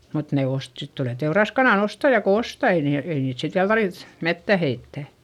mutta ne - sitten tulee teuraskanan ostaja kun ostaa ei niillä ei niitä sitten vielä tarvitse metsään heittää